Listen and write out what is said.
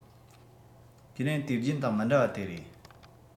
ཁས ལེན དུས རྒྱུན དང མི འདྲ བ དེ རེད